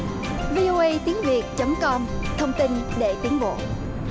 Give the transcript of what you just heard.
vi ô ây tiếng việt chấm com thông tin để tiến bộ